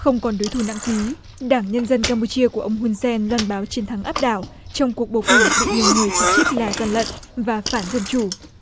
không còn đối thủ nặng ký đảng nhân dân cam pu chia của ông hun sen lân báo chiến thắng áp đảo trong cuộc bầu cử bị nhiều người chỉ trích là gian lận và phản dân chủ